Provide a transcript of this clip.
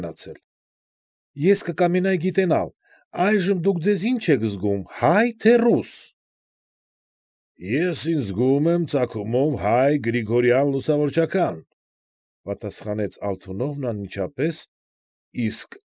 Գնացել,֊ ես կկամենայի գիտենալ՝ այժմ դուք ձեզ ի՞նչ եք զգում, հայ, թե՞ ռուս։ ֊ Ես ինձ զգում եմ ծագումով հայ Գրիգորյան֊լուսավորչական,֊ պատասխանեց Այթունովն անմիջապես,֊ իսկ։